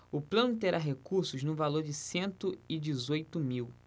o plano terá recursos no valor de cento e dezoito mil